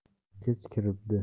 kech kiribdi